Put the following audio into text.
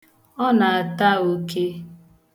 Ọ na-ata oke.